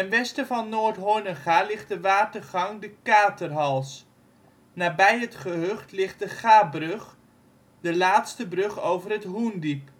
westen van Noordhornerga ligt de watergang de Katerhals. Nabij het gehucht ligt de Gabrug, de laatste brug over het Hoendiep